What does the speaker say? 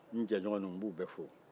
n jɛɲɔgɔn ninnu n b'u bɛɛ fo